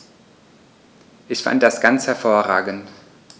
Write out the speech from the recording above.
Ich fand das ganz hervorragend.